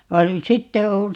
vaan nyt sitten on